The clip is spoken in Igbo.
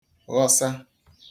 ghọsa